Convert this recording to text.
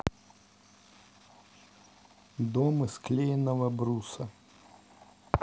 дом из клееного бруса